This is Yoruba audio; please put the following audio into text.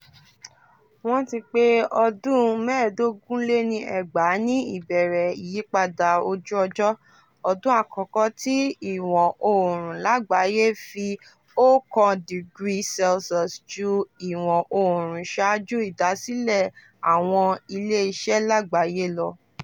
Wọ́n ti pé ọdún 2015 ní ìbẹ̀rẹ̀ ìyípadà ojú ọjọ́; ọdún àkọ́kọ́ tí ìwọ̀n ooru lágbàáyé fi 1°C ju ìwọ̀n ooru ṣáájú ìdásílẹ̀ àwọn ilé iṣẹ́ lágbàáyé lọ.